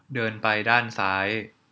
เดินไปด้านซ้าย